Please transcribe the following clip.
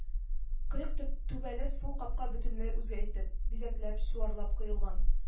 Кыек ту түбәле сул капка бөтенләй үзгә итеп, бизәкләп-чуарлап коелган